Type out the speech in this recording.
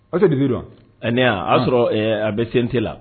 Aw tɛ Dibi dɔn wa, a ne wa, a y'a sɔrɔ a bɛ CNT la